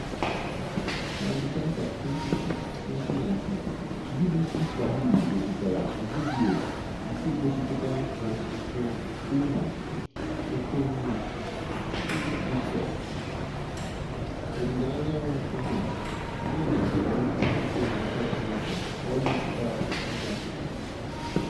Na Disemba 26, 2019, BBC Swahili wepụtara vidiyo nke gosipụtara Francisco Ouma, okenye si Busia, ọdịda anyanwụ Kenya, onye natara ozi sitere n'aka Chineke ka ọ gwupụta ọgba.